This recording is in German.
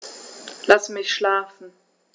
Lass mich schlafen